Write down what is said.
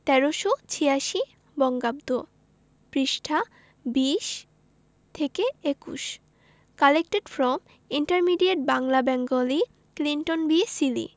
১৩৮৬ বঙ্গাব্দ পৃষ্ঠাঃ ২০ থেকে ২১ collected from intermediate Bangla Bengali Clinton B Seely